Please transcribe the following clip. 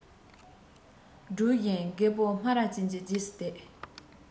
སྒྲོག བཞིན རྒད པོ སྨ ར ཅན གྱི རྗེས སུ དེད